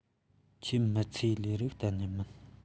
ཁྱོའི མི ཚེའི ལས རིགས གཏན ནས མིན